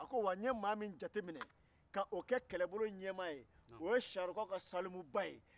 a ko wa n ye maa min jatemine k'o kɛ kɛlɛbolo ɲɛmaa ye o ye siyanrokaw ka salimuba ye